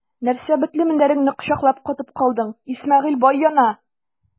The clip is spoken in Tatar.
Нәрсә бетле мендәреңне кочаклап катып калдың, Исмәгыйль бай яна!